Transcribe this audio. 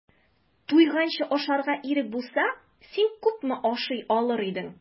Туйганчы ашарга ирек булса, син күпме ашый алыр идең?